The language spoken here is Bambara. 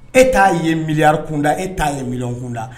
E t'a ye miyanri kunda e t'a ye mil kunda